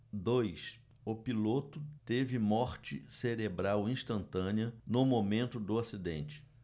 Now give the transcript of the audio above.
dois o piloto teve morte cerebral instantânea no momento do acidente